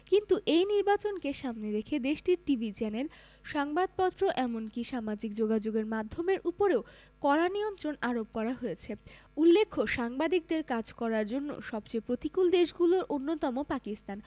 কিন্তু এই নির্বাচনকে সামনে রেখে দেশটির টিভি চ্যানেল সংবাদপত্র এমনকি সামাজিক যোগাযোগের মাধ্যমের উপরেও কড়া নিয়ন্ত্রণ আরোপ করা হয়েছে উল্লেখ্য সাংবাদিকদের কাজ করার জন্য সবচেয়ে প্রতিকূল দেশগুলোর অন্যতম পাকিস্তান